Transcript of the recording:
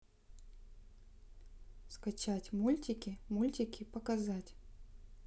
скачать мультики мультики показать